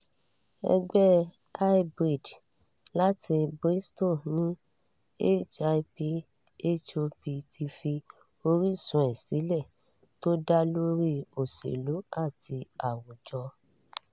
Ẹgbẹ́ High Breed láti Bristol ní hip hop ti fi orísun ẹ̀ sílẹ̀ tó dá lórí òṣèlú àti àwùjọ.